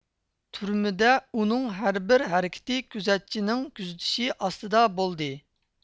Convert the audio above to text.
تۈرمىدە ئۇنىڭ ھەربىر ھەرىكىتى كۆزەتچىنىڭ كۆزىتىشى ئاستىدا بولدى